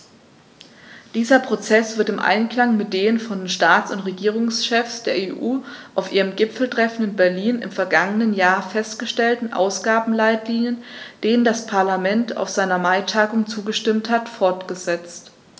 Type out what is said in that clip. Dieser Prozess wird im Einklang mit den von den Staats- und Regierungschefs der EU auf ihrem Gipfeltreffen in Berlin im vergangenen Jahr festgelegten Ausgabenleitlinien, denen das Parlament auf seiner Maitagung zugestimmt hat, fortgesetzt.